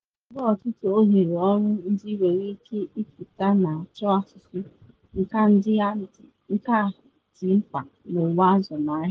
Ebe ọtụtụ ohere ọrụ ndị nwere ike ịpụta na achọ asụsụ, nka ndị a dị mkpa n’ụwa azụmahịa.